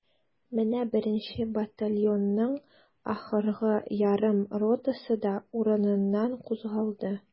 Менә беренче батальонның ахыргы ярым ротасы да урыныннан кузгалды.